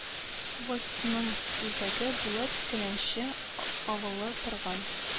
Волстьнең үзәге булып Келәнче авылы торган